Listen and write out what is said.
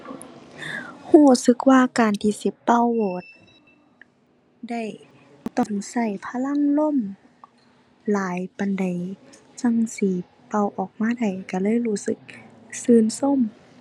รู้สึกว่าการที่สิเป่าโหวดได้ต้องรู้พลังลมหลายปานใด จั่งสิเป่าออกมาได้ รู้เลยรู้สึกรู้รู้